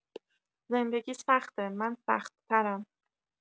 زندگی سخته، من سختترم.